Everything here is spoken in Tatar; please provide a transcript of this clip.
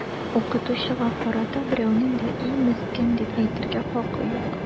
Укытучыга карата берәүнең дә “и, мескен” дип әйтергә хакы юк!